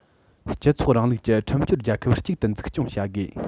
སྤྱི ཚོགས རིང ལུགས ཀྱི ཁྲིམས སྐྱོང རྒྱལ ཁབ ཅིག ཏུ འཛུགས སྐྱོང བྱ དགོས